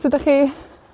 Sud 'dach chi?